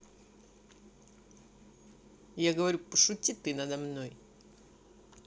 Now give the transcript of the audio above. я говорю пошути ты надо мной